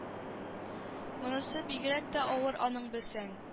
Монысы бигрәк тә авыр аның белсәң